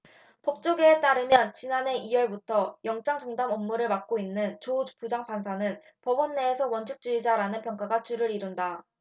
법조계에 따르면 지난해 이 월부터 영장전담 업무를 맡고 있는 조 부장판사는 법원 내에서 원칙주의자라는 평가가 주를 이룬다